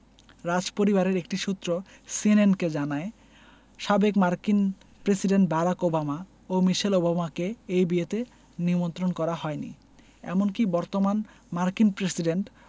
রাজপরিবারের একটি সূত্র সিএনএনকে জানায় সাবেক মার্কিন প্রেসিডেন্ট বারাক ওবামা ও মিশেল ওবামাকে এই বিয়েতে নিমন্ত্রণ করা হয়নি এমনকি বর্তমান মার্কিন প্রেসিডেন্ট